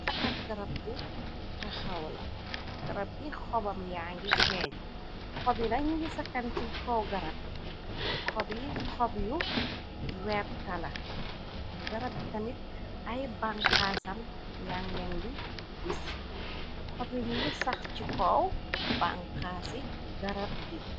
akab garab gu taxawla, garab gi xobam yaa ngi feeñ, xobi nak ñigi sakan ci kow-garab gi, xob yu wertala, garab gi tamit ay banxaasam yangleen di gis, xobi ñigi sax ci koow banxaasi garab gi.